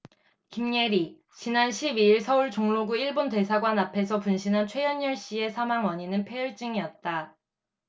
김예리 지난 십 이 일 서울 종로구 일본대사관 앞에서 분신한 최현열씨의 사망 원인은 패혈증이었다